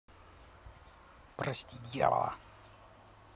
прости дьявола